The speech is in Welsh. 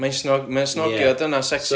ma' hi'n sn- ma' o'n snogio dynas secsi...